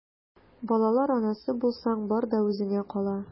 Балалар анасы булсаң, бар да үзеңә кала...